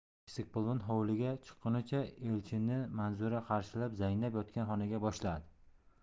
kesakpolvon hovliga chiqqunicha elchinni manzura qarshilab zaynab yotgan xonaga boshladi